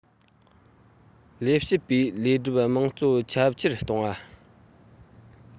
ལས བྱེད པའི ལས སྒྲུབ དམངས གཙོ ཁྱབ ཆེར གཏོང བ